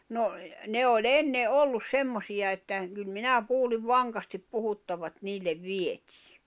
no ne oli ennen oli semmoisia että kyllä minä kuulin vankasti puhuttavan että niille vietiin